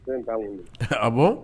ah bon